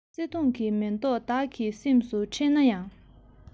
བརྩེ དུང གི མེ ཏོག བདག གི སེམས སུ འཁྲེན ན ཡང